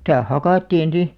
sitä hakattiin sitten